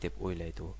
deb o'ylaydi u